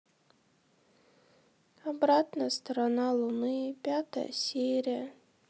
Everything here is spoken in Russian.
обратная сторона луны пятая серия